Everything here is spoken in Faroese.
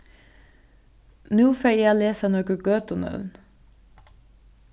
nú fari eg at lesa nøkur gøtunøvn